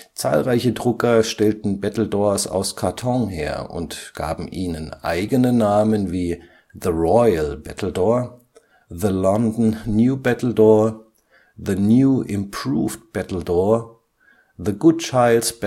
Zahlreiche Drucker stellten Battledores aus Karton her und gaben ihnen eigene Namen wie The Royal Battledore, The London New Battledore, The New Improved Batledore, The Good Child